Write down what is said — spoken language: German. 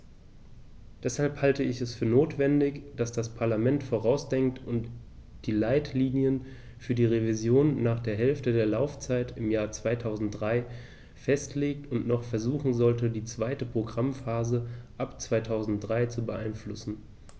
Deshalb halte ich es für notwendig, dass das Parlament vorausdenkt und die Leitlinien für die Revision nach der Hälfte der Laufzeit im Jahr 2003 festlegt und noch versuchen sollte, die zweite Programmphase ab 2003 zu beeinflussen.